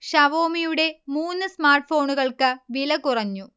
ഷാവോമിയുടെ മൂന്ന് സ്മാർട്ഫോണുകൾക്ക് വില കുറഞ്ഞു